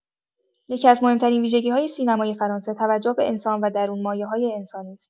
یکی‌از مهم‌ترین ویژگی‌های سینمای فرانسه، توجه به انسان و درون‌مایه‌های انسانی است.